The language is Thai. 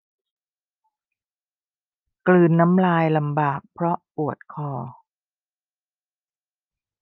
กลืนน้ำลายลำบากเพราะปวดคอ